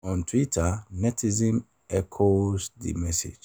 On Twitter, netizens echoed the message.